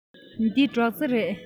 འདི སྒྲོག རྩེ རེད